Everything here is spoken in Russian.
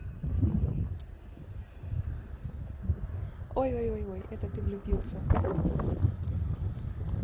ой ой ой ой это ты влюбился